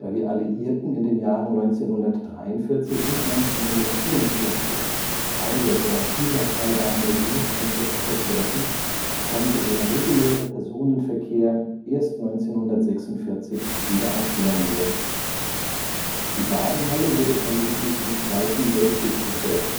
die Alliierten in den Jahren 1943 und 1944 Teile der Isartalbahn durch Luftangriffe zerstörten, konnte der reguläre Personenverkehr erst 1946 wieder aufgenommen werden. Die Wagenhalle wurde vermutlich im Zweiten Weltkrieg zerstört